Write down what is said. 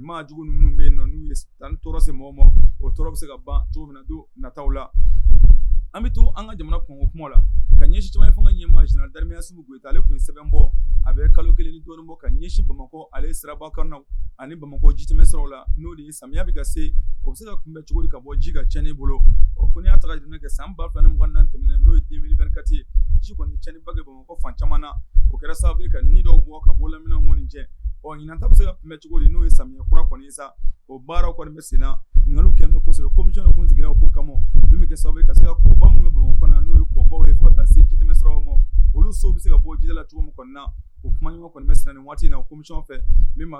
Ta an bɛ to ka ɲɛ ɲɛ kalo ɲɛ bamakɔ sira ani n'o ye bama caman o kɛra sababu ka dɔw bɔ ka bɔ lamina cɛ ɔ ɲinan tan bɛ se ka bɛ cogo n'u ye samiya kura kɔni sa o baara kɔni bɛ senna ŋ kɛmɛsɛbɛ kɔmimi sigira ko kama min sababu ka se minnu bamakɔ n'o ye kɔbaww ye taa se jimɛ sira ma olu so bɛ se ka bɔ jila cogo min na o kuma kɔni bɛ waati in na omi fɛ